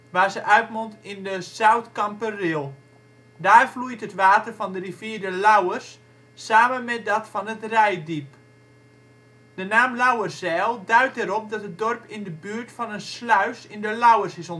waar ze uitmond in de Zoutkamperril. Daar vloeit het water van de rivier de Lauwers samen met dat van het Reitdiep. De naam Lauwerzijl duidt erop dat het dorp in de buurt van een sluis in de Lauwers is